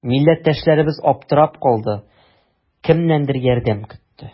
Милләттәшебез аптырап калды, кемнәндер ярдәм көтте.